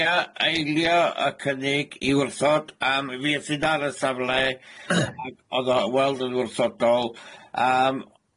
Ia, eilio y cynnig i wrthod. Yym fues i ar y safle, ac o'dd o weld yn wrthodol, yym.